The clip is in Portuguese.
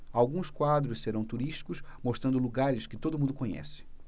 alguns quadros serão turísticos mostrando lugares que todo mundo conhece